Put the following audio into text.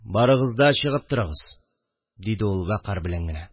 – барыгыз да чыгып торыгыз, – диде ул вәкарь белән генә